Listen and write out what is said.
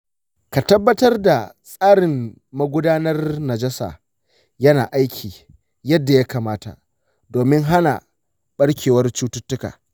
ka tabbatar da tsarin magudanar najasa yana aiki yadda ya kamata domin hana barkewar cututtuka.